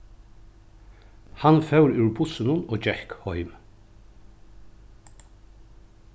hann fór úr bussinum og gekk heim